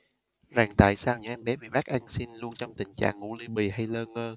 rằng tại sao những em bé bị bắt ăn xin luôn trong tình trạng ngủ li bì hay lơ ngơ